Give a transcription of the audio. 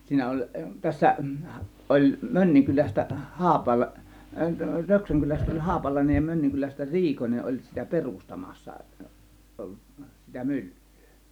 siinä oli tässä oli Mönninkylästä - Röksänkylästä oli Haapalainen ja Mönninkylästä oli Riikonen oli sitä perustamassa ollut sitä myllyä